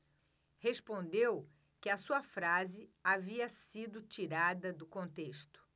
respondeu que a sua frase havia sido tirada do contexto